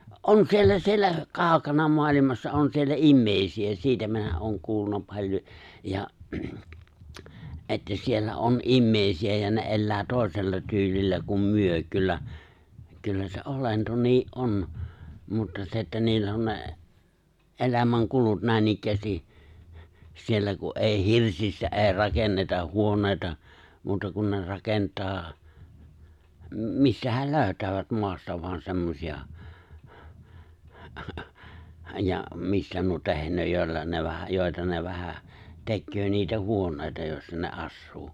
on siellä siellä kaukana maailmassa on siellä ihmisiä siitä minä olen kuullut paljon ja että siellä on ihmisiä ja ne elää toisella tyylillä kuin me kyllä kyllä se olento niin on mutta se että niillä on ne elämänkulut näinikään siellä kun ei hirsistä ei rakenneta huoneita muuta kuin ne rakentaa mistähän löytävät maasta vain semmoisia ja mistä nuo tehnee joilla ne vähän joita ne vähän tekee niitä huoneita joissa ne asuu